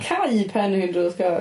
Cau pen 'i mewn drws car?